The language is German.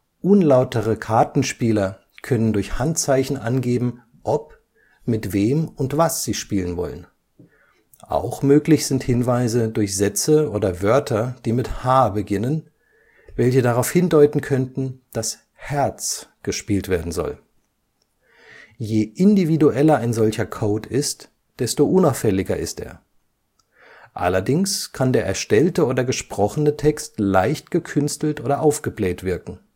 Unlautere Kartenspieler können durch Handzeichen angeben, ob, mit wem und was sie spielen wollen. Auch möglich sind Hinweise durch Sätze oder Wörter, die mit „ H” beginnen, welche darauf hindeuten könnten, dass „ Herz” gespielt werden soll. Je individueller ein solcher Code ist, desto unauffälliger ist er. Allerdings kann der erstellte oder gesprochene Text leicht gekünstelt und aufgebläht wirken